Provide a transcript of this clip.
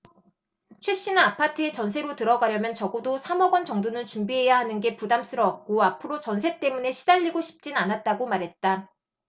최 씨는 아파트에 전세로 들어가려면 적어도 삼 억원 정도는 준비해야 하는 게 부담스러웠고 앞으로 전세 때문에 시달리고 싶진 않았다고 말했다